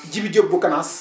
Djibi Diop bu CANAS